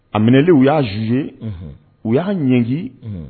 A minɛ u y'a zzu ye u y'a ɲɛgigin